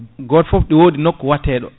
got foof ɗo wodi nokku watte ɗo